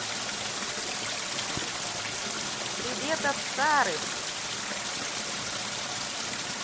привет от старых